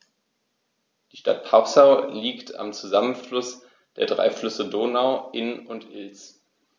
Die Stadt Passau liegt am Zusammenfluss der drei Flüsse Donau, Inn und Ilz.